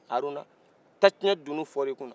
haruna tacɛn dunun fɔra i kun na